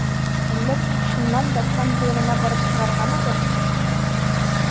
Әллә соң чыннан да, Сандра янына барып чыгаргамы бер?